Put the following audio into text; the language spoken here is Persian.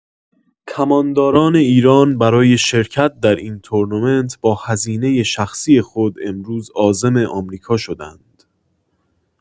کمانداران ایران برای شرکت در این تورنمنت با هزینۀ شخصی خود امروز عازم آمریکا شدند.